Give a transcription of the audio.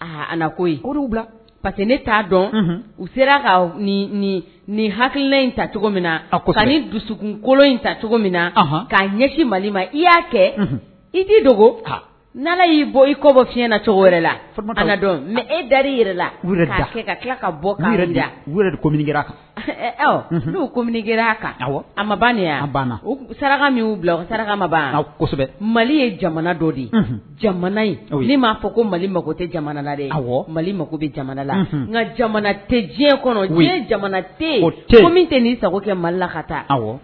Aaa a ko bila pa que ne t'a dɔn u sera ka nin haina in ta cogo min na ni dusukolon in ta cogo min na k'a ɲɛsin mali ma i y'a kɛ i' dogo n' y'i bɔ i kɔ bɔ fiɲɛɲɛna cogo wɛrɛ la dɔn mɛ e da i yɛrɛ la ka tila ka bɔ yɛrɛ da u ko kan n'u ko kira kan aba saraka bila sarakama kosɛbɛ mali ye jamana dɔ de ye jamana m'a fɔ ko mali mako tɛ jamana nare mali mako bɛ jamana la n nka jamana tɛ diɲɛ kɔnɔ jamana tɛ o min tɛ ni sago kɛ mali la ka taa